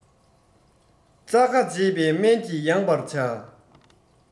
རྩ ཁ འབྱེད པའི སྨན གྱིས ཡངས པར བྱ